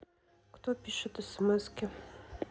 кто пишет смски